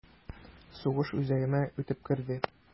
Сугыш үзәгемә үтеп керде...